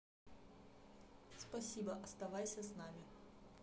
спасибо оставайся с нами